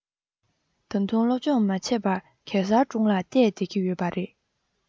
ད དུང སློབ སྦྱོང མི བྱེད པར གེ སར སྒྲུང ལ བལྟས བསྡད ཀྱི ཡོད པ རེད